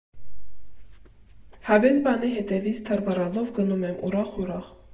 Հավես բանի հետևից թռվռալով գնում եմ ՝ ուրախ֊ուրախ։